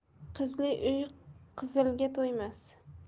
qizli uy qizilga to'ymas